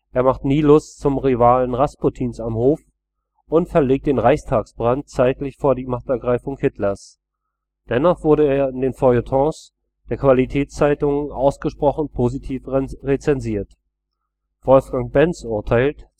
er macht Nilus zum Rivalen Rasputins am Hof und verlegt den Reichstagsbrand zeitlich vor die Machtergreifung Hitlers. Dennoch wurde er in den Feuilletons der Qualitätszeitungen ausgesprochen positiv rezensiert. Wolfgang Benz urteilt